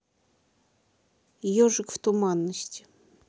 ежик в туманности